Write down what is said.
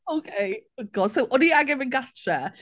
Ok oh God, so o'n i angen mynd gatre...